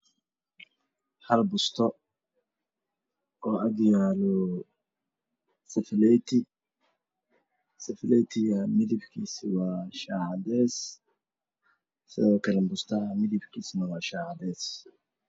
Halbusto oo agyalo safaleti safaletiga midabkis waa shax cades bustadan waa cades